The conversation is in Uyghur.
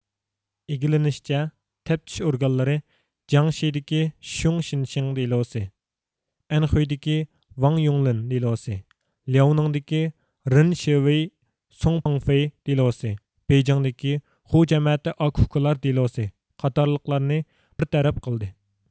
ئىگىلىنىشىچە تەپتىش ئورگانلىرى جياڭشىدىكى شيۇڭ شىنشىڭ دېلوسى ئەنخۇيدىكى ۋاڭ يۇڭلىن دېلوسى لياۋنىڭدىكى رېن شىۋېي سۇڭ پېڭفېي دېلوسى بېيجىڭدىكى خۇ جەمەتى ئاكا ئۇكىلار دېلوسى قاتارلىقلارنى بىرتەرەپ قىلدى